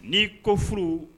N'i ko furu